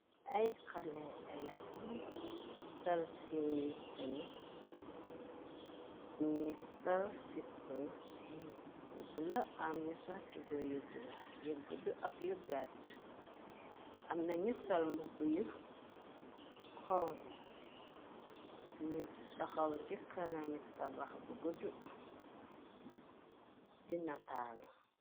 Ay xalee elef yu salseeniteni ñu salsipy yu bula am ñu sortibu byu gudd ak yu gatt amnañu solmb bu yu xongu ñu taxaw ci kanami tabax bu gudd dina taalu.